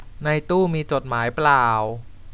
ในตู้มีจดหมายเปล่า